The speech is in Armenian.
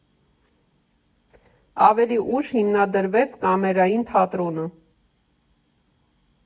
Ավելի ուշ հիմնադրվեց Կամերային թատրոնը։